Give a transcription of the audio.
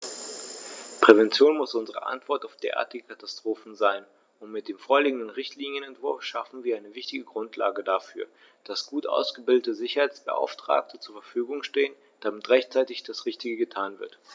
Prävention muss unsere Antwort auf derartige Katastrophen sein, und mit dem vorliegenden Richtlinienentwurf schaffen wir eine wichtige Grundlage dafür, dass gut ausgebildete Sicherheitsbeauftragte zur Verfügung stehen, damit rechtzeitig das Richtige getan wird.